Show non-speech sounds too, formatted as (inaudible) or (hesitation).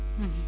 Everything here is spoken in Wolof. (hesitation) (hesitation)